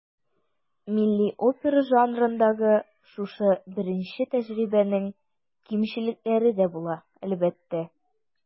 Милли опера жанрындагы шушы беренче тәҗрибәнең кимчелекләре дә була, әлбәттә.